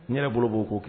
N yɛrɛ bolo b'o ko kɛ